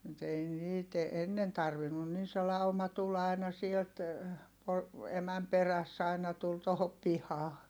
mutta ei niitä ennen tarvinnut niin se lauma tuli aina sieltä - emän perässä aina tuli tuohon pihaan